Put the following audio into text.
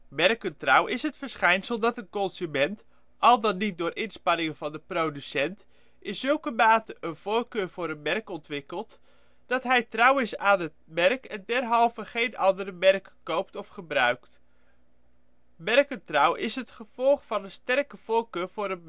Merkentrouw is het verschijnsel, dat een consument, al dan niet door inspanningen van de producent, in zulke mate een voorkeur voor een merk ontwikkeld, dat hij trouw is aan dit merk en derhalve geen andere merken koopt of gebruikt. Merkentrouw is het gevolg van een sterke voorkeur voor